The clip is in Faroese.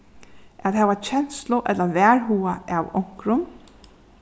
at hava kenslu ella varhuga av onkrum